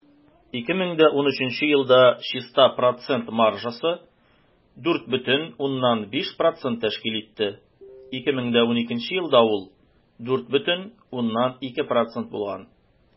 2013 елда чиста процент маржасы 4,5 % тәшкил итте, 2012 елда ул 4,2 % булган.